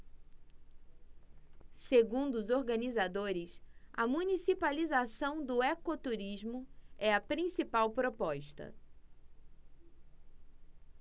segundo os organizadores a municipalização do ecoturismo é a principal proposta